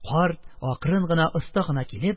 Карт акрын гына, оста гына килеп,